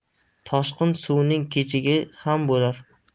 toshqin suvning kechigi ham bo'lar